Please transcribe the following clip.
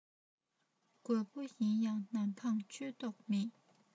རྒོད པོ ཡིན ཡང ནམ འཕང གཅོད མདོག མེད